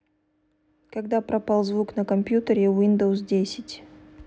когда пропал звук на компьютере windows десять